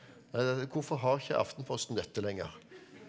hvorfor har ikke Aftenposten dette lenger?